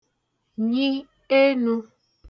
nyi enū